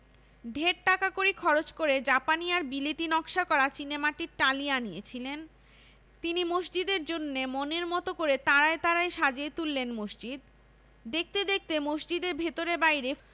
ঢের টাকাকড়ি খরচ করে জাপানি আর বিলেতী নকশা করা চীনেমাটির টালি আনিয়েছিলেন তিনি মসজিদের জন্যে মনের মতো করে তারায় তারায় সাজিয়ে তুললেন মসজিদ দেখতে দেখতে মসজিদের ভেতরে বাইরে